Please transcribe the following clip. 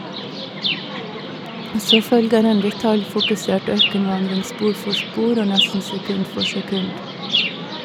Så følger en detaljfokusert ørkenvandring spor for spor, og nesten sekund for sekund.